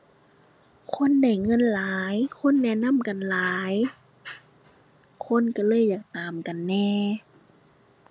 คนได้เงินหลาย คนแนะนำกันหลาย คนก็เลยอยากตามกันแหน่